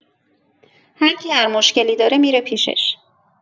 هر کی هر مشکلی داره می‌ره پیشش.